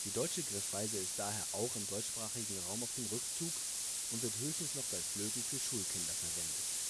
deutsche Griffweise ist daher auch im deutschsprachigen Raum auf dem Rückzug und wird höchstens noch bei Flöten für Schulkinder verwendet